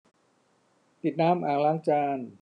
ปิดน้ำอ่างล้างจาน